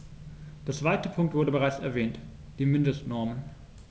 Der zweite Punkt wurde bereits erwähnt: die Mindestnormen.